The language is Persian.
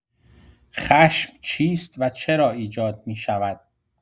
خشم چیست و چرا ایجاد می‌شود؟